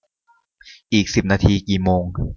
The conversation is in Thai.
อีกสิบนาทีกี่โมง